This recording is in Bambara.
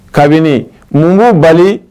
Kabini mun b'u bali